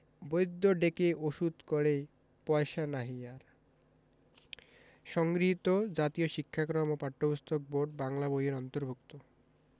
বৈদ্য ডেকে ওষুধ করে পয়সা নাহি আর সংগৃহীত জাতীয় শিক্ষাক্রম ও পাঠ্যপুস্তক বোর্ড বাংলা বই এর অন্তর্ভুক্ত